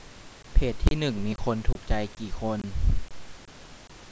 เพจที่หนึ่งมีคนถูกใจกี่คน